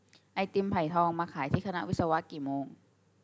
ไอติมไผ่ทองมาขายที่คณะวิศวะกี่โมง